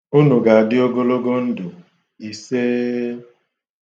Unu ga-adị ogologo ndụ, isee!